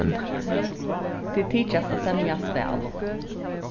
tit tykjast at semjast væl